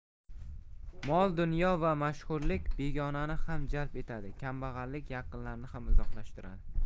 mol dunyo va mashhurlik begonani ham jalb etadi kambag'allik yaqinlarni ham uzoqlashtiradi